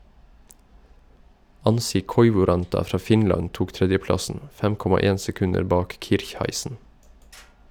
Anssi Koivuranta fra Finland tok tredjeplassen , 5,1 sekunder bak Kircheisen.